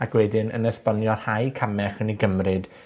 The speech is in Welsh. ac wedyn yn esbonio rhai came allwn ni gymryd,